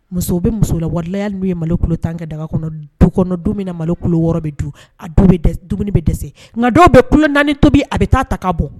Muso bɛ muso la wariya ye mali kulu tan kɛ daga kɔnɔ du kɔnɔ donmina na mali kulu wɔɔrɔ bɛ dumuni bɛ de nka dɔw bɛ ku naani tobi a bɛ taa ta ka bɔ